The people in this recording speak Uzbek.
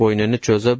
bo'ynini g'oz cho'zib